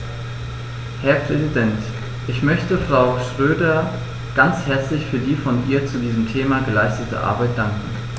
Herr Präsident, ich möchte Frau Schroedter ganz herzlich für die von ihr zu diesem Thema geleistete Arbeit danken.